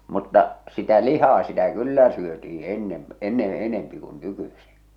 mutta sitä lihaa sitä kyllä syötiin ennen ennen enempi kuin nykyisin